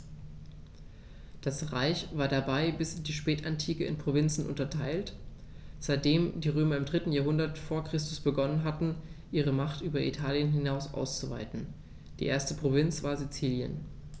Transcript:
Das Reich war dabei bis in die Spätantike in Provinzen unterteilt, seitdem die Römer im 3. Jahrhundert vor Christus begonnen hatten, ihre Macht über Italien hinaus auszuweiten (die erste Provinz war Sizilien).